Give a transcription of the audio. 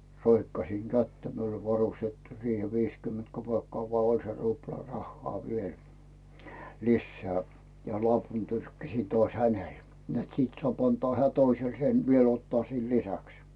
roikkasin kättä minulla oli varustettu siihen - viisikymmentä kopeekkaa vaan oli se rupla rahaa vielä lisää ja lopun tyrkkäsin taas hänelle että siitä saa antaa hän toiselle sen vielä ottaa siihen lisäksi